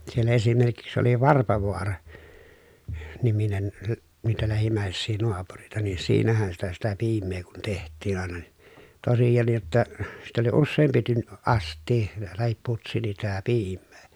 siellä esimerkiksi oli Varpovaara niminen - niitä lähimmäisiä naapureita niin siinähän sitä sitä piimää kun tehtiin aina niin tosiaankin jotta sitä oli useampi - astia tai putsi sitä piimää